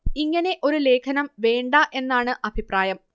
ഇങ്ങനെ ഒരു ലേഖനം വേണ്ട എന്നാണ് അഭിപ്രായം